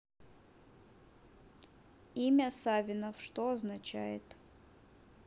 имя савинов что означает